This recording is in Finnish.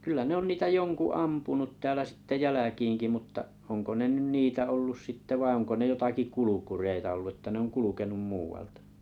kyllä ne on niitä jonkun ampunut täällä sitten jälkiinkin mutta onko ne nyt niitä ollut sitten vai onko ne jotakin kulkureita ollut että ne on kulkenut muualta